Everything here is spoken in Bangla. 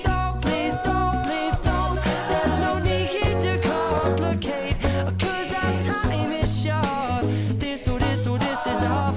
music